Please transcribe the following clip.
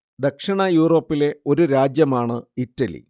ദക്ഷിണ യൂറോപ്പിലെ ഒരു രാജ്യമാണ് ഇറ്റലി